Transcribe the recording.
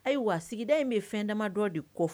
Ayiwa sigida in bɛ fɛn damama dɔ de kɔ